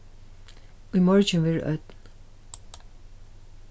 í morgin verður ódn